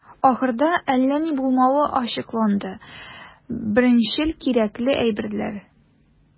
Ахырда, әллә ни булмавы ачыкланды - беренчел кирәкле әйберләр.